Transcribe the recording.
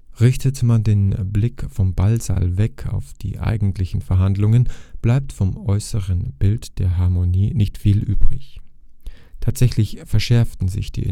Richtet man den Blick vom Ballsaal weg auf die eigentlichen Verhandlungen, bleibt vom äußeren Bild der Harmonie nicht mehr viel übrig. Tatsächlich verschärften sich die